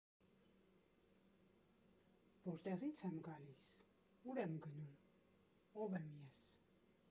Որտեղի՞ց եմ գալիս, ու՞ր եմ գնում, ո՞վ եմ ես։